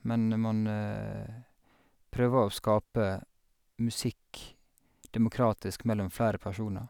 Men man prøver å skape musikk demokratisk mellom flere personer.